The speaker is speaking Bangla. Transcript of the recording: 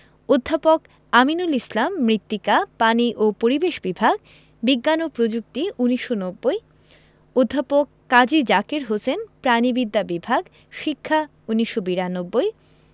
অধ্যাপক আমিনুল ইসলাম মৃত্তিকা পানি ও পরিবেশ বিভাগ বিজ্ঞান ও প্রযুক্তি ১৯৯০ অধ্যাপক কাজী জাকের হোসেন প্রাণিবিদ্যা বিভাগ শিক্ষা ১৯৯২